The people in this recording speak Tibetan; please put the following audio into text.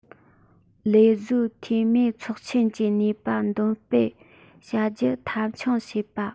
ལས བཟོའི འཐུས མིའི ཚོགས ཆེན གྱི ནུས པ འདོན སྤེལ བྱ རྒྱུ མཐའ འཁྱོངས བྱེད པ